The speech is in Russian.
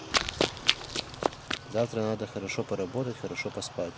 завтра надо хорошо поработать хорошо поспать